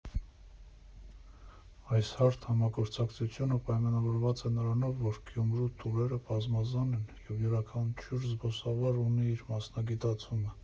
Այս հարթ համագործակցությունը պայմանավորված է նրանով, որ Գյումրու տուրերը բազմազան են և յուրաքանչյուր զբոսավար ունի իր մասնագիտացումը։